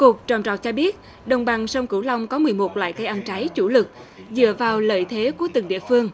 cục trồng trọt cho biết đồng bằng sông cửu long có mười một loại cây ăn trái chủ lực dựa vào lợi thế của từng địa phương